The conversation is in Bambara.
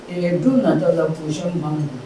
Ɛɛ du nana da la bosima